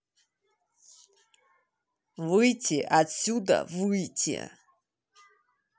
выйти отсюда выйти